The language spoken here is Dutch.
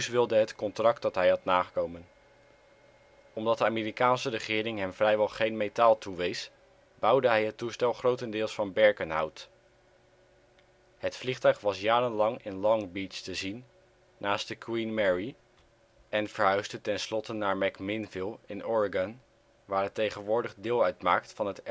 wilde het contract dat hij had nakomen. Omdat de Amerikaanse regering hem vrijwel geen metaal toewees, bouwde hij het toestel grotendeels van berkenhout. Het vliegtuig was jarenlang in Long Beach te zien, naast de Queen Mary en verhuisde ten slotte naar McMinnville in Oregon, waar het tegenwoordig deel uitmaakt van het